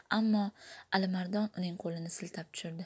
ammo ajimardon uning qo'lini siltab tushirdi